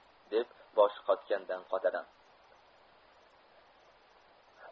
deb boshi qotgandan qotadi